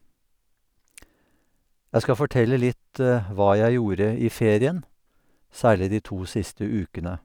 Jeg skal fortelle litt hva jeg gjorde i ferien, særlig de to siste ukene.